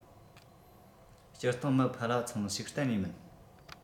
སྤྱིར བཏང མི ཕལ བ ཚང ཞིག གཏན ནས མིན